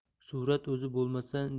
surat o'zi bo'lmasa